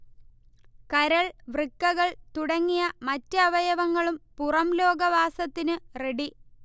കരൾ, വൃക്കകൾ തുടങ്ങിയ മറ്റവയവങ്ങളും പുറംലോക വാസത്തിനു റെഡി